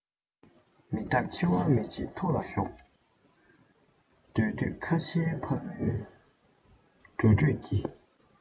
མི རྟག འཆི བ མ བརྗེད ཐུགས ལ ཞོག འདོད འདོད ཁ ཆེ ཕ ལུའི གྲོས གྲོས ཀྱི